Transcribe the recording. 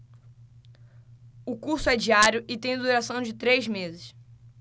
o curso é diário e tem duração de três meses